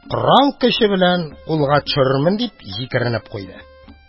Корал көче белән кулга төшерермен! – дип җикеренеп куйды.